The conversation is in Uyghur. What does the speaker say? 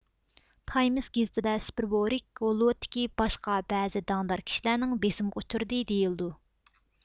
تايمېس گېزىتى دە سپېربورگ ھوللۇۋۇدتىكى باشقا بەزى داڭدار كىشىلەرنىڭ بېسىمىغا ئۇچرىدى دېيىلدى